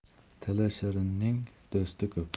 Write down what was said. tili shirinning do'sti ko'p